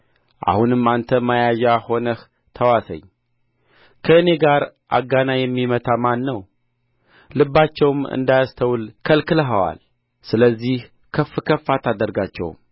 አሁንም አንተ መያዣ ሆነህ ተዋሰኝ ከእኔ ጋር አጋና የሚመታ ማን ነው ልባቸውም እንዳያስተውል ከልክለኸዋል ስለዚህ ከፍ ከፍ አታደርጋቸውም